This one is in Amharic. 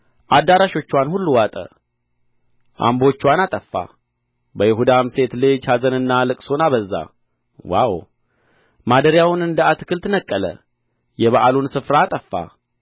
አዳራሾችዋን ሁሉ ዋጠ አምቦችዋን አጠፋ በይሁዳም ሴት ልጅ ኀዘንና ልቅሶ አበዛ ዋው ማደሪያውን እንደ አትክልት ነቀለ የበዓሉን ስፍራ አጠፋ